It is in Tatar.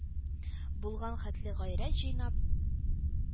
Булган хәтле гайрәт җыйнап: